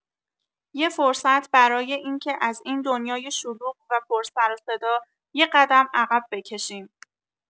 یه فرصت برای اینکه از این دنیای شلوغ و پر سر و صدا یه قدم عقب بکشیم.